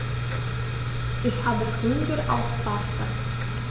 Ich habe Hunger auf Pasta.